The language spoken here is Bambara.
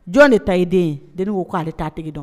Jɔn de ta ye den ye? deni ko ko k'ale t'a tigi dɔn